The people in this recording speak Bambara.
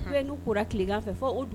U n'u kora tilekan fɛ